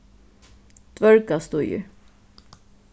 dvørgastígur